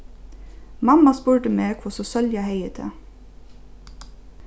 mamma spurdi meg hvussu sólja hevði tað